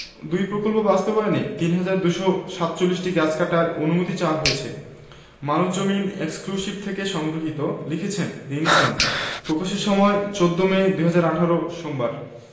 দুই প্রকল্প বাস্তবায়নে ৩হাজার ২৪৭টি গাছ কাটার অনুমতি চাওয়া হয়েছে মানবজমিন এক্সক্লুসিভ হতে সংগৃহীত লিখেছেনঃ দীন ইসলাম প্রকাশের সময় ১৪ মে ২০১৮ সোমবার